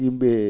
yim?e